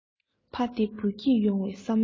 ཕ བདེ བུ སྐྱིད ཡོང བའི བསམ བློ ཐོང